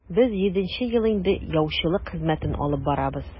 Без җиденче ел инде яучылык хезмәтен алып барабыз.